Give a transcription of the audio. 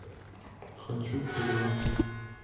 хочу пиво